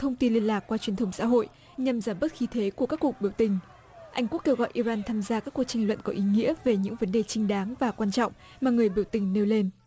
thông tin liên lạc qua truyền thông xã hội nhằm giảm bớt khí thế của các cuộc biểu tình anh quốc kêu gọi i ran tham gia các cuộc tranh luận có ý nghĩa về những vấn đề chính đáng và quan trọng mà người biểu tình nêu lên